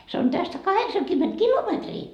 se on tästä kahdeksankymmentä kilometriä